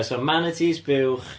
So manatees buwch...